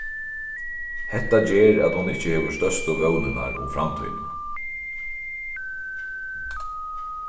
hetta ger at hon ikki hevur størstu vónirnar um framtíðina